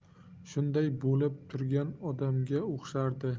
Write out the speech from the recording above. shunday bo'lib turgan odamga o'xshardi